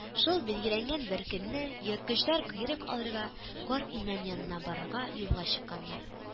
Шул билгеләнгән беркөнне ерткычлар койрык алырга карт имән янына барырга юлга чыкканнар